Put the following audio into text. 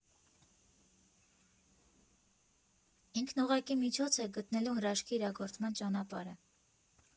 Ինքն ուղղակի միջոց է՝ գտնելու հրաշքի իրագործման ճանապարհը։